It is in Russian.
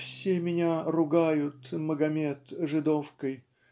"Все меня ругают, Магомет, жидовкой",